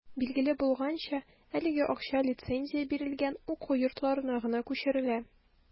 Билгеле булганча, әлеге акча лицензия бирелгән уку йортларына гына күчерелә.